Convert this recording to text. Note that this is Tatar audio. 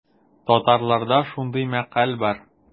Татарларда шундый мәкаль бар.